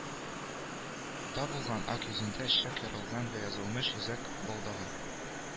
Та булган ак йөзендә шәкъ ярылган, вә язылмыш йөзек балдагы